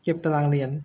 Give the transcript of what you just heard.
เก็บตารางเรียน